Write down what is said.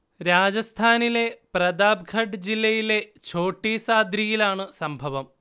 രാജസ്ഥാനിലെ പ്രതാപ്ഖഡ് ജില്ലയിലെ ഛോട്ടി സാദ്രിയിലാണ് സംഭവം